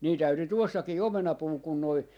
niin täytyi tuossakin omenapuu kun nuo